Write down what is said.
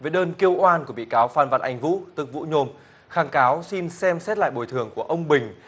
với đơn kêu oan của bị cáo phan văn anh vũ tức vũ nhôm kháng cáo xin xem xét lại bồi thường của ông bình